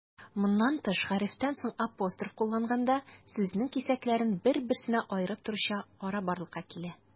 Моннан тыш, хәрефтән соң апостроф кулланганда, сүзнең кисәкләрен бер-берсеннән аерып торучы ара барлыкка килә.